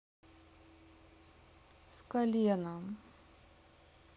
с коленом